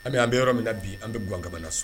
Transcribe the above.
An bɛ an bɛ yɔrɔ min na bi an bɛ g ka so